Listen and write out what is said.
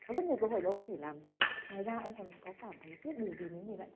có rất nhiều cơ hội của ông có thể làm được ngoài ra ông còn có cảm thấy tiếc điều gì nếu nhìn lại